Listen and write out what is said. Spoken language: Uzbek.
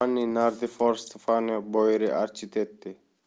giovanni nardi for stefano boeri architetti